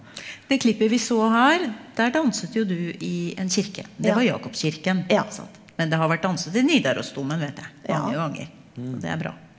det klippet vi så her, der danset jo du i en kirke, det var Jakobskirken, ikke sant, men det har vært danset i Nidarosdomen vet jeg, mange ganger og det er bra.